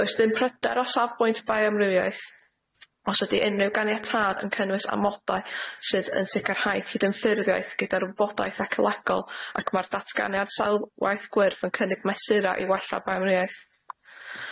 Does ddim pryder o safbwynt bioamrywiaeth. Os ydi unrhyw ganiatâd yn cynnwys amodau sydd yn sicrhau cydynffyrddiaeth gyda'r wybodaeth ecolagol ac ma'r datganiad sawl waith gwyrth yn cynnig mesura i wella baemriaeth.